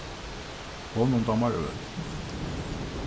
honum dámar øl